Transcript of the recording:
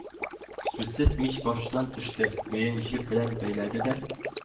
Сүзсез мич башыннан төште, билен җеп белән бәйләде дә: